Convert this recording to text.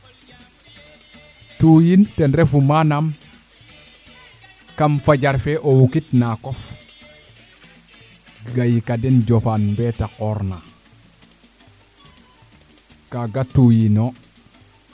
tooyin ten refu manaam kam fajar fe o wukit naakof gay ka den jofa mbeta qoor na kaga tuuyino ndaa fogre koy fo